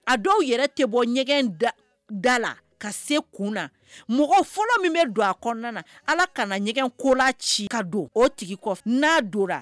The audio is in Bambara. A dɔw yɛrɛ tɛ bɔ ɲɛgɛn da la ka se kun na; mɔgɔ fɔlɔ min bɛ don a kɔnɔna na allah kana na ɲɛgɛnkola ci ka don o tigi kɔfɛ , n'a don na